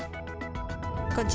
còn